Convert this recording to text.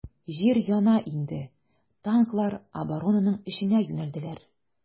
Җир яна иде, танклар оборонаның эченә юнәлделәр.